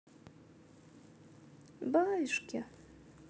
баюшки